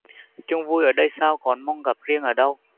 chung vui ở đây sao còn mong gặp riêng ở đâu